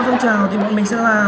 phong trào thì bọn mình sẽ làm